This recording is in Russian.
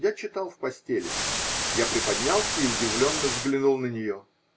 Я читал в постели; я приподнялся и удивленно взглянул на нее.